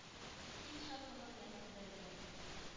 Ил шатлыгы белән төзәлде